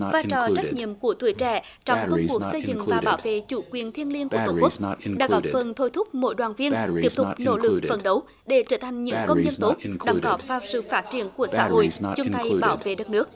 vai trò trách nhiệm của tuổi trẻ trong công cuộc xây dựng và bảo vệ chủ quyền thiêng liêng của tổ quốc đã góp phần thôi thúc mỗi đoàn viên tiếp tục nỗ lực phấn đấu để trở thành những công dân tốt đóng góp vào sự phát triển của xã hội chung tay bảo vệ đất nước